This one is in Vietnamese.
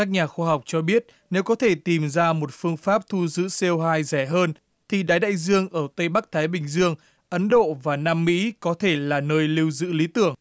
các nhà khoa học cho biết nếu có thể tìm ra một phương pháp thu giữ xê ô hai rẻ hơn thì đáy đại dương ở tây bắc thái bình dương ấn độ và nam mỹ có thể là nơi lưu giữ lý tưởng